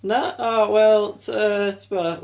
Na? O wel t- tibod.